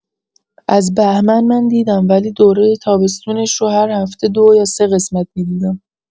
از بهمن من دیدم ولی دوره تابستونش رو هر هفته دو یا ۳ قسمت می‌دیدم.